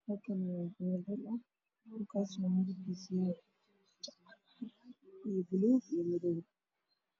Halkaan waa meel garoon ah midabkiisuna cagaar iyo caddaan